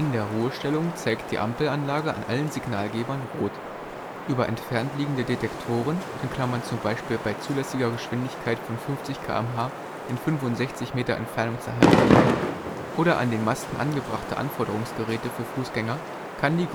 der Ruhestellung zeigt die Ampelanlage an allen Signalgebern „ Rot “. Über entfernt liegende Detektoren (z. B. bei zulässiger Geschwindigkeit von 50 km/h in 65 m Entfernung zur Haltlinie) oder an den Masten angebrachte Anforderungsgeräte für Fußgänger kann die